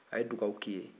a ye dugawu k'i ye